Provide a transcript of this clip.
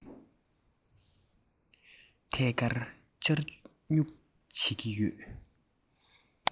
ཐད ཀར གཅར རྡུང བྱེད ཀྱི རེད